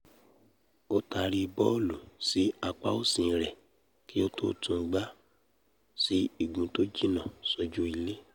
Ó taari bọ́ọ̀lù sí apá òsì rẹ̀ kí ó tó tun gbá sí igun tó jiǹnà sójú ilé.